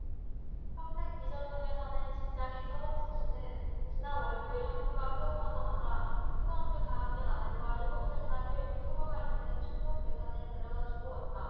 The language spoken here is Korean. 평택 비전동에 사는 직장인 서범석씨는 지난 월요일 학교가 휴업하자마자 초등학교 사 학년 아들과 일곱 살 딸을 처가가 있는 충북 괴산에 데려다주고 왔다